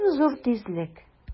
Иң зур тизлек!